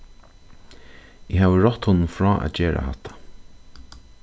eg havi rátt honum frá at gera hatta